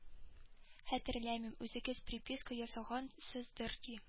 Хәтерләмим үзегез приписка ясагансыздыр ди